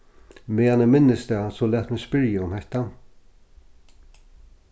meðan eg minnist tað so lat meg spyrja um hetta